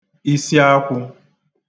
isiakwụ̄